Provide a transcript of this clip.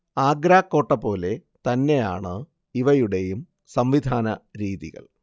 ആഗ്രാകോട്ടപോലെ തന്നെയാണ് ഇവയുടെയും സംവിധാനരീതികൾ